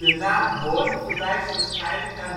naam Horn verwijst waarschijnlijk naar